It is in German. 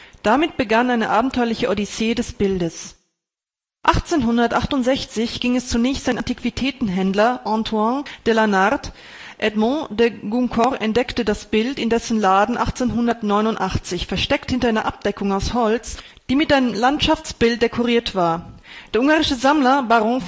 Damit begann eine abenteuerliche Odyssee des Bildes. 1868 ging es zunächst an den Antiquitätenhändler Antoine de la Narde. Edmond de Goncourt entdeckte das Bild in dessen Laden 1889, versteckt hinter einer Abdeckung aus Holz, die mit einem Landschaftsbild dekoriert war. Der ungarische Sammler Baron